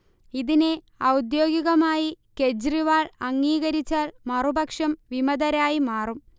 ഇതിനെ ഔദ്യോഗികമായി കെജ്രിവാൾ അംഗീകരിച്ചാൽ മറുപക്ഷം വിമതരായി മാറും